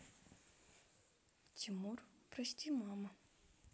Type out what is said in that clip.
тимур прости мама